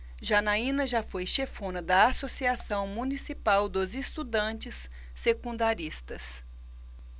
janaina foi chefona da ames associação municipal dos estudantes secundaristas